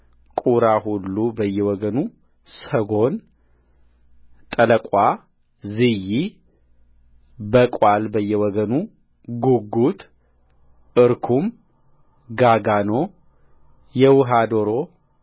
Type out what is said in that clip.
ቁራ ሁሉ በየወገኑሰጎን ጠላቋ ዝዪ በቋል በየወገኑጕጕት እርኩም ጋጋኖ የውኀ ዶሮ